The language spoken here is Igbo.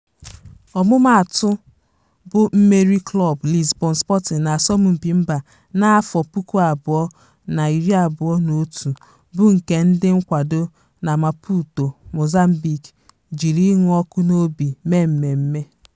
Ọmụmaatụ bụ mmeri klọb Lisbon Sporting na asọmpi mba 2021, bụ nke ndị nkwado na Maputo (Mozambique) jiri ịnụ ọkụ n'obi mee mmemme.